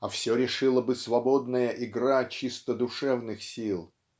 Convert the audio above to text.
а все решила бы свободная игра чисто душевных сил.